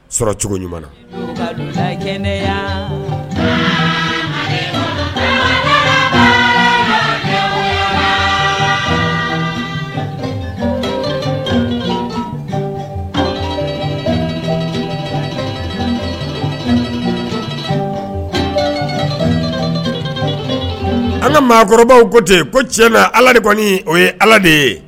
Sɔrɔ cogo ɲuman kɛnɛ an ka maakɔrɔbaw ko ten ko cɛ ala ni kɔni o ye ala de ye